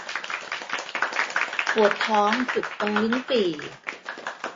ปวดท้องจุกตรงลิ้นปี่